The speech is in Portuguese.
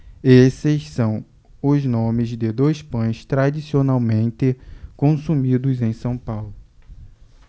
esses são os nomes de dois pães tradicionalmente consumidos em são paulo